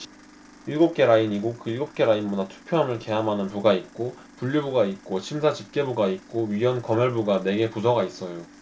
일곱 개 라인이고 그 일곱 개 라인마다 투표함을 개함하는 부가 있고 분류부가 있고 심사집계부가 있고 위원검열부가 네 개 부서가 있어요